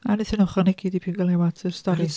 A wnaethon nhw ychwanegu dipyn go lew at y stori.